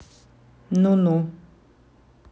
ну ну